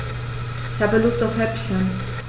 Ich habe Lust auf Häppchen.